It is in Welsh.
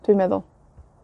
Dwi'n meddwl.